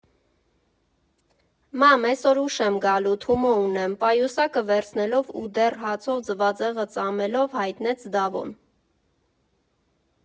Մամ, էօսր ուշ եմ գալու, Թումո ունեմ, ֊ պայուսակը վերցնելով ու դեռ հացով ձվածեղը ծամելով հայտնեց Դավոն։